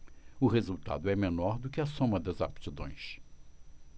o resultado é menor do que a soma das aptidões